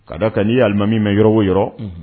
Ka' da ka ni alimami mɛn yɔrɔ o yɔrɔ